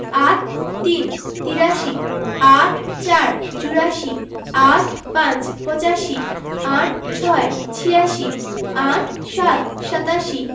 ৮৩ তিরাশি ৮৪ চুরাশি ৮৫ পঁচাশি ৮৬ ছিয়াশি ৮৭ সাতাশি